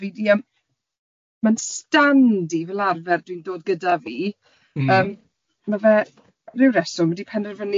Fi di yym, ma'n stand i fel arfer dwi'n dod gyda fi... Mm. ...yym ma fe ryw reswm wedi penderfynu